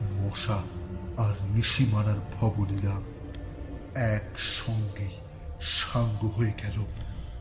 মশা আর নিশি মারার ভবলীলা একসঙ্গেই সাঙ্গ হয়ে গেল